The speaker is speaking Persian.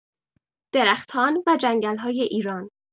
درختان و جنگل‌های ایران